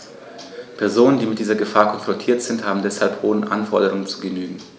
Personen, die mit dieser Gefahr konfrontiert sind, haben deshalb hohen Anforderungen zu genügen.